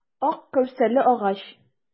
Ак кәүсәле агач.